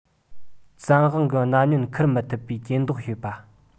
བཙན དབང གི གཉའ གནོན འཁུར མི ཐུབ པས གྱེན ཟློག བྱེད པ